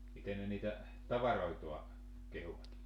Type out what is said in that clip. miten ne niitä tavaroitaan kehuivat